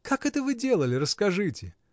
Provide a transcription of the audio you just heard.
— Как это вы делали, расскажите!